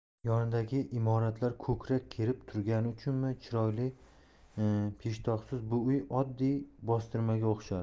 yondagi imoratlar ko'krak kerib turgani uchunmi chiroyli peshtoqsiz bu uy oddiy bostirmaga o'xshardi